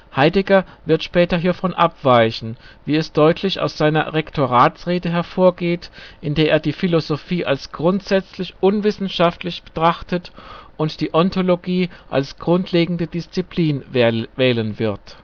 Heidegger wird später hiervon abweichen, wie es deutlich aus seiner Rektoratsrede hervorgeht, in der er die Philosophie als grundsätzlich unwissenschaftlich betrachtet und die Ontologie als grundlegende Disziplin wählen wird